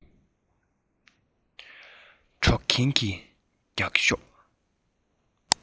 འགྲོགས མཁན ནི རྒྱུགས ཤོག